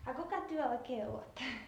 a kuka te oikein olette